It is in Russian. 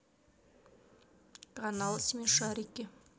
канал смешарики